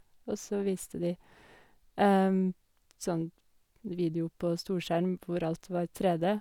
Og så viste de sånn video på storskjerm hvor alt var 3D.